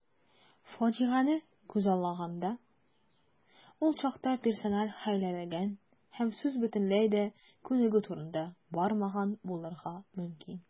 Фаҗигане күзаллаганда, ул чакта персонал хәйләләгән һәм сүз бөтенләй дә күнегү турында бармаган булырга мөмкин.